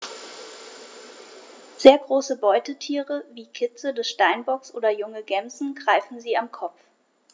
Sehr große Beutetiere wie Kitze des Steinbocks oder junge Gämsen greifen sie am Kopf.